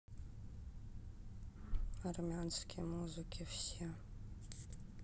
армянские музыки все